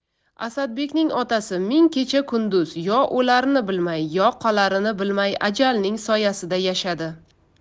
asadbekning otasi ming kecha kunduz yo o'larini bilmay yo qolarini bilmay ajalning soyasida yashadi